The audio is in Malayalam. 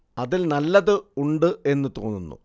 അതിൽ നല്ലത് ഉണ്ട് എന്ന് തോന്നുന്നു